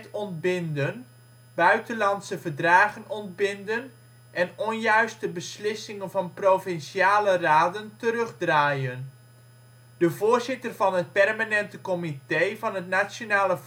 ontbinden, buitenlandse verdragen ontbinden en onjuiste beslissingen van provinciale raden terugdraaien. De voorzitter van het Permanente Comité van het Nationale